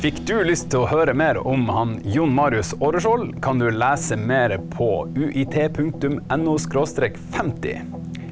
fikk du lyst til å høre mer om han Jon Marius Aareskjold, kan du lese mere på UiT punktum N O skråstrek femti.